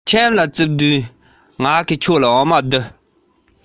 འོ མ འཐུང བ དག དྲན ན